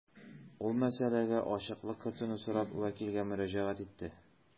Ул мәсьәләгә ачыклык кертүне сорап вәкилгә мөрәҗәгать итте.